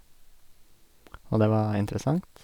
Og det var interessant.